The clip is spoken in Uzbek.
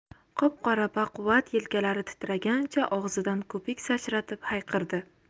qop qora baquvvat yelkalari titragancha og'zidan ko'pik sachratib hayqirdi